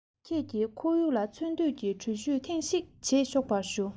ཁྱེད ཀྱི ཁོར ཡུག ལ འཚོལ སྡུད ཀྱི འགྲུལ བཞུད ཐེངས ཤིག བྱེད ཆོག པར ཞུ